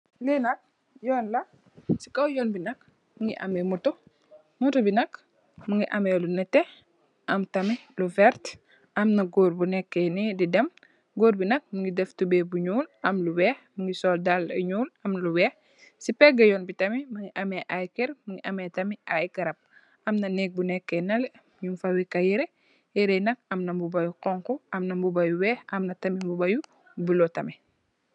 Liinak yonla si kaw yonbi nak mungi ameh motto motto bi nak mungi ameh lu netteh am tamit lu vert Amna gorr bu nekeni di dem gorrbi nak mungi am tuboy bu ñul amlu wekh mungi sol dalla yuñul amlu wekh si pega yonbi tamit mungi ameh ayy Kerr mungi ameh tamit ayy garab Amna nekbi nekeh naleh foyikay yireh yirehyi nak amna mbuba yu xonxu Amna yu wekh amna tamit mbuba yu bulo.